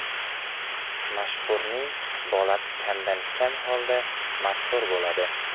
mashhurning bolasi kamdan kam holatda mashhur bo'ladi